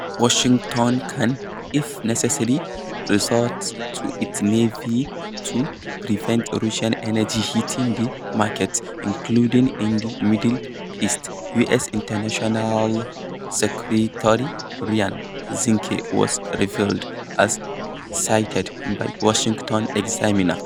Washington can "if necessary" resort to its Navy to prevent Russian energy hitting the markets, including in the Middle East, US Internal Secretary Ryan Zinke has revealed, as cited by Washington Examiner.